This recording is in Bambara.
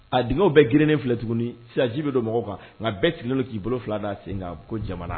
A d bɛɛ grinnen filɛ tuguni siji bɛ don mɔgɔw kan nka bɛɛ tigɛ don k'i bolo fila da sen ko jamana